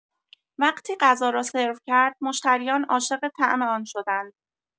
وقتی غذا را سرو کرد، مشتریان عاشق طعم آن شدند.